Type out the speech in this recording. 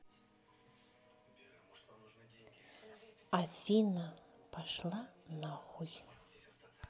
афина пошла нахуй